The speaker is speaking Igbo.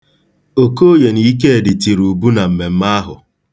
Okoye na Ikedi tiri ubu na mmemme ahụ.